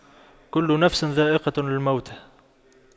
كُلُّ نَفسٍ ذَائِقَةُ المَوتِ